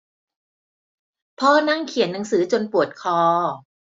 พ่อนั่งเขียนหนังสือจนปวดคอ